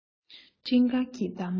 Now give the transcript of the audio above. སྤྲིན དཀར གྱི འདབ མ